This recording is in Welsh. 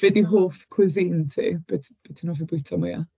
Be' 'di hoff cuisine ti? B t- be' ti'n hoffi bwyta mwya?